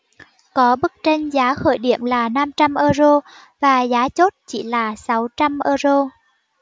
có bức tranh giá khởi điểm là năm trăm euro và giá chốt chỉ là sáu trăm euro